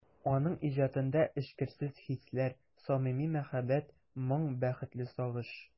Аның иҗатында эчкерсез хисләр, самими мәхәббәт, моң, бәхетле сагыш...